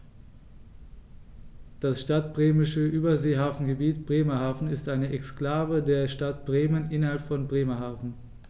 Das Stadtbremische Überseehafengebiet Bremerhaven ist eine Exklave der Stadt Bremen innerhalb von Bremerhaven.